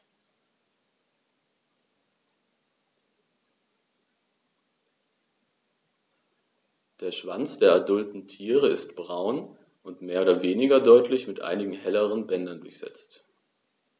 Der Schwanz der adulten Tiere ist braun und mehr oder weniger deutlich mit einigen helleren Bändern durchsetzt.